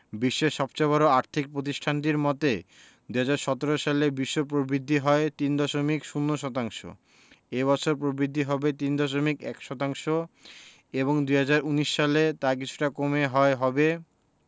বিশ্বের সবচেয়ে বড় আর্থিক প্রতিষ্ঠানটির মতে ২০১৭ সালে বিশ্ব প্রবৃদ্ধি হয় ৩.০ শতাংশ এ বছর প্রবৃদ্ধি হবে ৩.১ শতাংশ এবং ২০১৯ সালে তা কিছুটা কমে হয় হবে